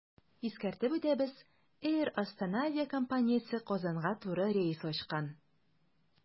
Искәртеп үтәбез, “Эйр Астана” авиакомпаниясе Казанга туры рейс ачкан.